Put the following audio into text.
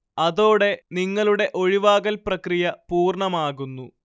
അതോടെ നിങ്ങളുടെ ഒഴിവാകൽ പ്രക്രിയ പൂർണ്ണമാകുന്നു